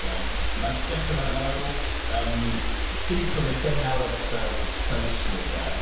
Iawn? Mae'n dechrau... Ma' ma' 'na ryw yym deitl neu benawd ar ddechrau'r llawysgrif de... ia.